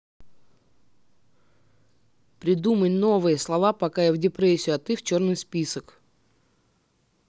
придумай новые слова пока я в депрессию а ты в черный список